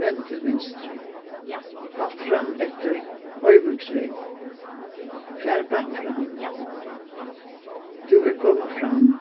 vend til vinstru halt fram eftir hoyvíksvegi far beint fram tú ert komin fram